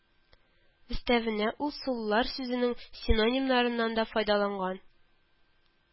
Өстәвенә, ул суллар сүзенең синонимнарыннан да файдаланган